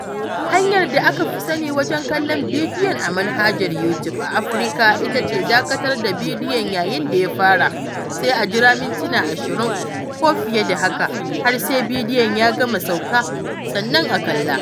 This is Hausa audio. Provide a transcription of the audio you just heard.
Hanyar da aka fi sani wajen kallo bidiyon a manhajar YouTube a Afirka ita ce dakatar da bidiyon yayin da ya fara, sai a jira mintuna 20 (ko fiye da haka) har sai bidiyon ya gama sauƙa, sannan a kalla.